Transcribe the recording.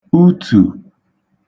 utù